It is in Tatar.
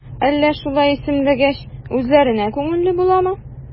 Әллә шулай исемләгәч, үзләренә күңелле буламы?